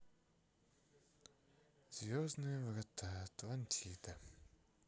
звездные врата атлантида